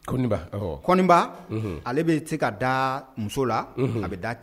Kɔn kɔnba ale bɛ se ka da muso la a bɛ da